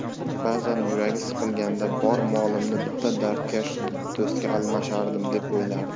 ba'zan yuragi siqilganida bor molimni bitta dardkash do'stga almashardim deb o'ylardi